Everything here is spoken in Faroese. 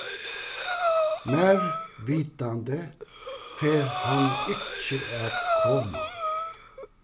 mær vitandi fer hann ikki at koma